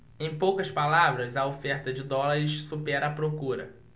em poucas palavras a oferta de dólares supera a procura